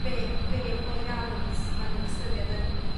be' be' go iawn ts- ma' nhw'n ystyried yn